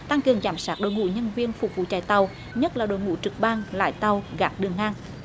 tăng cường giám sát đội ngũ nhân viên phục vụ chạy tàu nhất là đội ngũ trực ban lái tàu gác đường ngang